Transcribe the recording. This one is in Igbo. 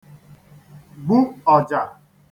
gbu ọ̀jà